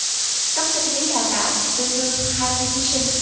cấp kinh phí đào tạo tương đương hai mươi thí sinh